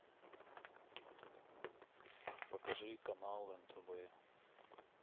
покажи канал нтв